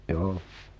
joo